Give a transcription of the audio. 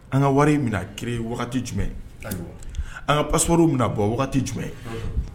An ka wari in bɛna créer wagati jumɛn an ka passeport bɛna bɔ wagati jumɛn